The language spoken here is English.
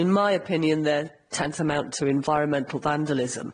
In my opinion they're tenth amount to environmental vandalism.